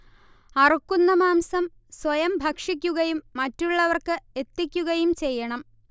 അറുക്കുന്ന മാംസം സ്വയം ഭക്ഷിക്കുകയും മറ്റുള്ളവർക്ക് എത്തിക്കുകയും ചെയ്യണം